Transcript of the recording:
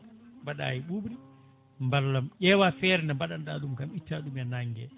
mbaɗa e ɓuɓri mballam ƴewa feere nde mbaɗanɗa ɗum kam itta ɗum e nangue he